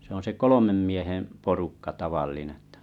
se on se kolmen miehen porukka tavallinen jotta